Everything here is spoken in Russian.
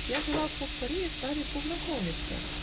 я желал поскорее с вами познакомиться.